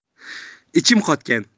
ichim qotgan